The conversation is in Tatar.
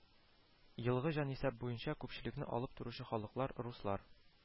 Елгы җанисәп буенча күпчелекне алып торучы халыклар: руслар